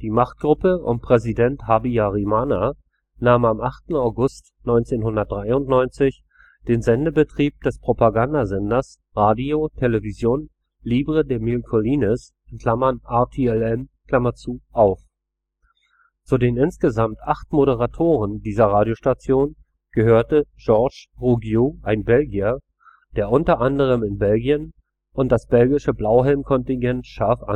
Machtgruppe um Präsident Habyarimana nahm am 8. August 1993 den Sendebetrieb des Propaganda-Senders Radio-Télévision Libre des Mille Collines (RTLM) auf. Zu den insgesamt acht Moderatoren dieser Radiostation gehörte Georges Ruggiu, ein Belgier, der unter anderem Belgien und das belgische Blauhelm-Kontingent scharf